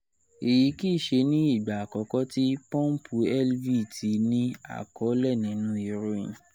Eyi kiiṣe ni igba akọkọ ti pọmpu Elvie ti ni akọle nínú iroyin.